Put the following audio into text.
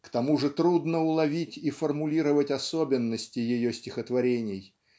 К тому же трудно уловить и формулировать особенности ее стихотворений